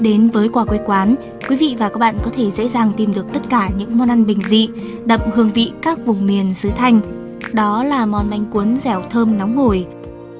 đến với quà quê quán quý vị và các bạn có thể dễ dàng tìm được tất cả những món ăn bình dị đậm hương vị các vùng miền xứ thanh đó là món bánh cuốn dẻo thơm nóng hổi